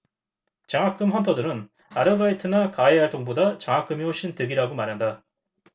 장학금 헌터들은 아르바이트나 과외 활동보다 장학금이 훨씬 득이라고 말한다